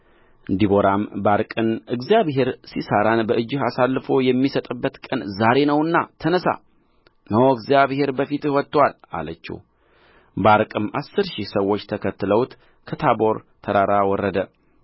ዲቦራም ባርቅን እግዚአብሔር ሲሣራን በእጅህ አሳልፎ የሚሰጥበት ቀን ዛሬ ነውና ተነሣ እነሆ እግዚአብሔር በፊትህ ወጥቶአል አለችው ባርቅም አሥር ሺህ ሰዎች ተከትለውት ከታቦር ተራራ ወረደ